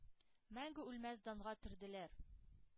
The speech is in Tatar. Мәңге үлмәс данга төрделәр.